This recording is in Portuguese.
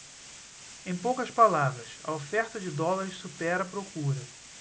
em poucas palavras a oferta de dólares supera a procura